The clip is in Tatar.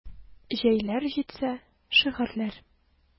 Җәйләр җитсә: шигырьләр.